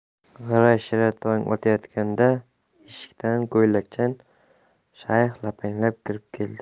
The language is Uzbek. g'ira shira tong otayotganda eshikdan ko'ylakchan shayx lapanglab kirib keldi